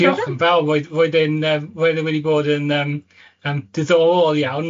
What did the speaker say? Diolch yn fawr, roedd roedd e'n yy roedd e wedi bod yn yym yym, diddorol iawn